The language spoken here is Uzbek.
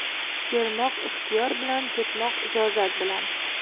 kelmoq ixtiyor bilan ketmoq ijozat bilan